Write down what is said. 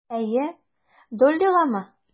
Әйе, Доллигамы?